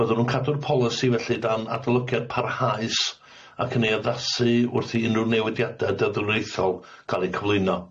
Bydden nw'n cadw'r polisi felly dan adolygiad parhaus ac yn ei addasu wrth i unrhyw newediada dyddwraethol ca'l ei cyflwyno.